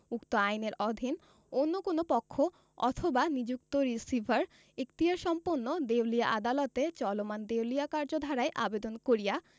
উক্ত আইন এর অধীন অন্য কোন পক্ষ অথবা নিযুক্ত রিসিভার এখতিয়ারসম্পন্ন দেউলিয়া আদালতে চলমান দেউলিয়া কার্যধারায় আবেদন করিয়া